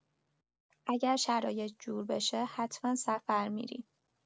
اگه شرایط جور بشه، حتما سفر می‌ریم.